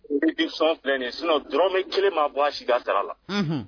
Réduction filɛ ni ye sinon dɔrɔn kelen maa bɔ a si ka sara la, unhun.